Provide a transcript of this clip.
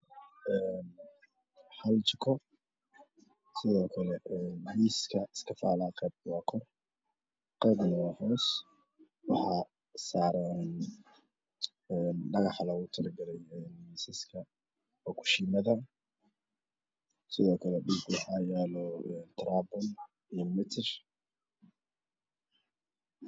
Hal jiko sidoo kle Miiiska qeebna waa hoos waxaan Dara dhagaxa loogu talagalay muisaska oo ku shiimada sidoo kle dhulka qaxayala taraapam iyo mitish